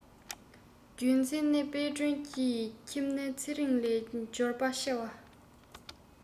རྒྱུ མཚན ནི དཔལ སྒྲོན གྱི ཁྱིམ ནི ཚེ རིང ལས འབྱོར པ ཆེ བ